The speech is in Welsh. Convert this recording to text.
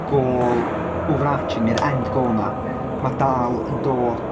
goal overarching neu'r end goal yna... Ie. ...Mae dal yn dod...